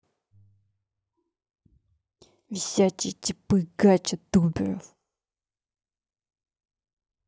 висячие типы gacha туберов